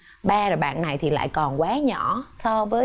ba là bạn này thì lại còn quá nhỏ so với